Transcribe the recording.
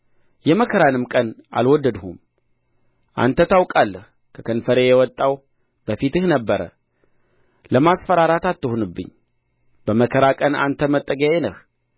የመከራንም ቀን አልወደድሁም አንተ ታውቃለህ ከከንፈሬ የወጣው በፊትህ ነበረ ለማስፈራራት አትሁንብኝ በመከራ ቀን አንተ መጠጊያዬ ነህ